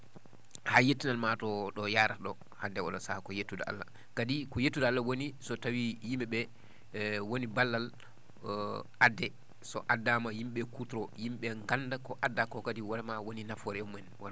haa yettinan maa to ?o yaarata ?o hannde oo ?oo sahaa ko yettude Allah kadi ko yettude Allah woni so tawii yim?e ?ee woni ballal addee so addaama yim?e ?ee kuutoroo yim?e ?e ngannda ko addaa ko kadi wraima woni nafoore e mumen